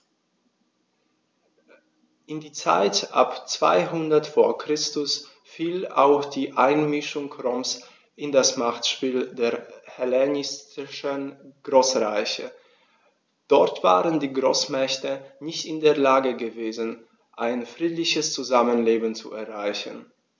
In die Zeit ab 200 v. Chr. fiel auch die Einmischung Roms in das Machtspiel der hellenistischen Großreiche: Dort waren die Großmächte nicht in der Lage gewesen, ein friedliches Zusammenleben zu erreichen.